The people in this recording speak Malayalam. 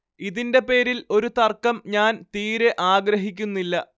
ഇതിന്റെ പേരിൽ ഒരു തർക്കം ഞാൻ തീരെ ആഗ്രഹിക്കുന്നില്ല